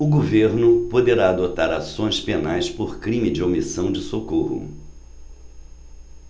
o governo poderá adotar ações penais por crime de omissão de socorro